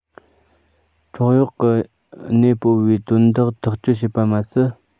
གྲོག གཡོག གིས གནས སྤོ བའི དོན དག ཐག གཅོད བྱེད པ མ ཟད